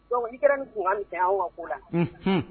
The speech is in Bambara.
Donc Ikɛrɛni kun ka misɛn anw ka ko la. Unhun